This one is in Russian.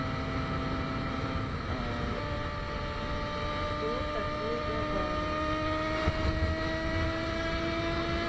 кто такой гавана